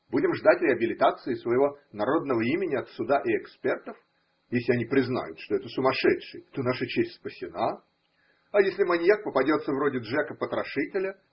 Будем ждать реабилитации своего народного имени от суда и экспертов: если они признают, что это сумасшедший, то наша честь спасена: а если маньяк попадется вроде Джека-потрошителя.